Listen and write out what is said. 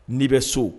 N'i bɛ so